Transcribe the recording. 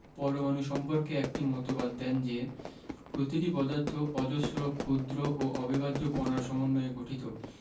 পরমাণু সম্পর্কে একটি মতবাদ দেন যে প্রতিটি পদার্থ অজস্র ক্ষুদ্র ও অবিভাজ্য কণার সমন্বয়ে গঠিত